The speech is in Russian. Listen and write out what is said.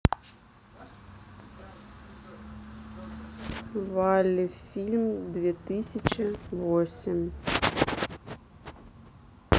валли фильм две тысячи восемь